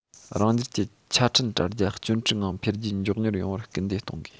༄༅ རང རྒྱལ གྱི ཆ འཕྲིན དྲ རྒྱ སྐྱོན བྲལ ངང འཕེལ རྒྱས མགྱོགས མྱུར ཡོང བར སྐུལ འདེད གཏོང དགོས